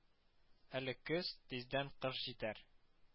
Әле көз, тиздән кыш җитәр